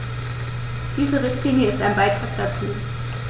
Diese Richtlinie ist ein Beitrag dazu.